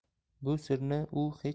bu sirni u hech